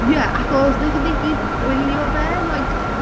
Ie achos wnaethon ni gyd gwylio fe like yy...